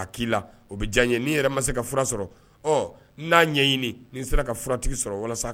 N' ɲɛɲini sera ka furatigi sɔrɔ walasa